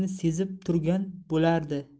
yaxshilikni sezib turgan bo'lardi